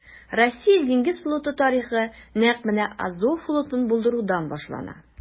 Россия диңгез флоты тарихы нәкъ менә Азов флотын булдырудан башлана.